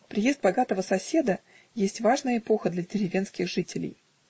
Приезд богатого соседа есть важная эпоха для деревенских жителей.